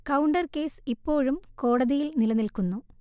counter case ഇപ്പോഴും കോടതിയിൽ നിലനിൽക്കുന്നു